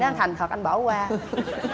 em thành thật anh bỏ qua